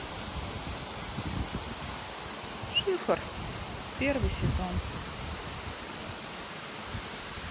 шифр первый сезон